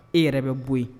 E yɛrɛ bɛ bɔ yen